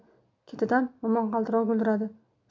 ketidan momaqaldiroq gulduradi